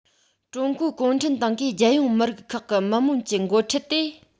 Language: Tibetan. ཀྲུང གོའི གུང ཁྲན ཏང གིས རྒྱལ ཡོངས མི རིགས ཁག གི མི དམངས ཀྱི འགོ ཁྲིད དེ